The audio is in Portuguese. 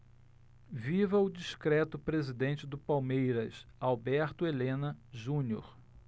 viva o discreto presidente do palmeiras alberto helena junior